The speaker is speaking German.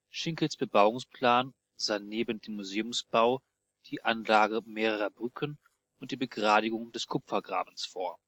Schinkels Bebauungsplan sah neben dem Museumsbau die Anlage mehrerer Brücken und die Begradigung des Kupfergrabens vor